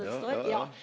ja ja ja.